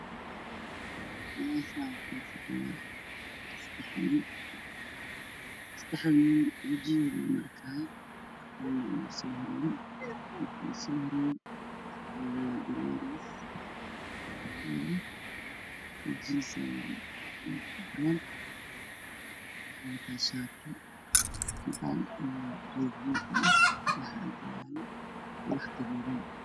Meshaan waxaa joogo sedax wiil labo wajigooda waa madow midna waa uu cad yahay